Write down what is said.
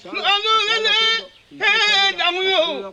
Cɛkɔrɔba ne bɛ den ga